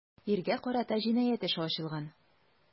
Иргә карата җинаять эше ачылган.